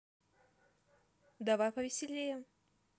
давай повеселее